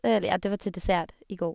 Eller, ja, det var til dessert i går.